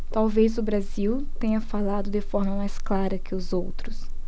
talvez o brasil tenha falado de forma mais clara que os outros